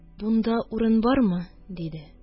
Бунда урын бармы? – диде.